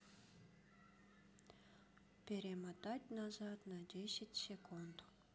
перемотать назад на десять секунд